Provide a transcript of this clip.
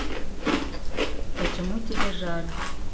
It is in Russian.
почему тебе жаль